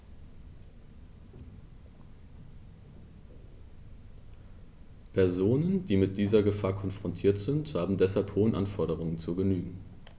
Personen, die mit dieser Gefahr konfrontiert sind, haben deshalb hohen Anforderungen zu genügen.